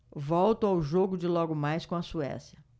volto ao jogo de logo mais com a suécia